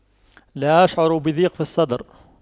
لا اشعر بضيق في الصدر